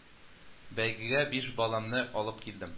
Бәйгегә биш баламны алып килдем